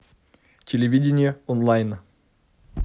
телевидение онлайн